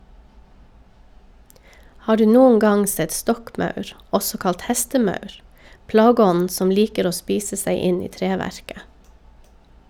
Har du noen gang sett stokkmaur, også kalt hestemaur, plageånden som liker å spise seg inn i treverket?